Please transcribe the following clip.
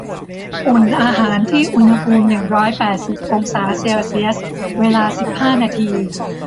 อุ่นอาหารที่อุณหภูมิหนึ่งร้อยแปดสิบองศาเซลเซียสเวลาสิบห้านาที